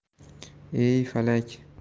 ey falak